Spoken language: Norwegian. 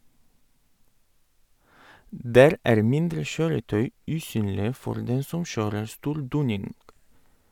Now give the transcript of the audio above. Der er mindre kjøretøy usynlige for den som kjører stor doning.